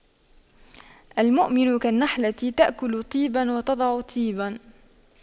المؤمن كالنحلة تأكل طيبا وتضع طيبا